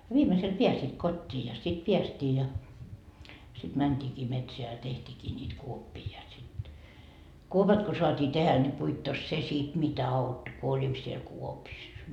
viimeisellä pääsivät kotiin ja sitten päästiin ja sitten mentiinkin metsään ja tehtiinkin niitä kuoppia ja sitten kuopat kun saatiin tehdä niin puittos se sitten mitä auttoi kun olit siellä kuopissa